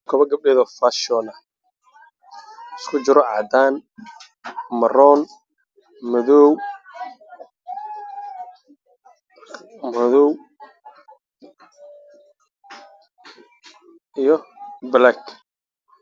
Waa kabo Dumar midabkoodu yahay madow cadaan